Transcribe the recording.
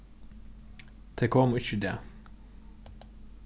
tey komu ikki í dag